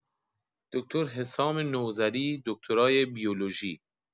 دکتر حسام نوذری دکترای بیولوژی